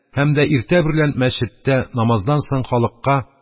Һәм дә иртә берлән мәсҗедтә, намаздан соң халыкка: